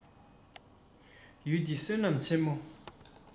ཡུལ འདི བསོད ནམས ཆེན མོ